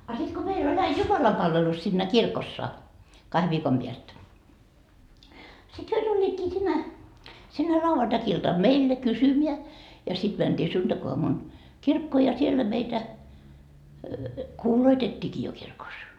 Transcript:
a sitten kun meillä oli aina jumalanpalvelus siinä kirkossa kahden viikon päästä sitten he tulivatkin sinne sinne lauantai-iltana meille kysymään ja sitten mentiin sunnuntaiaamuna kirkkoon ja siellä meitä kuuloitettiinkin jo kirkossa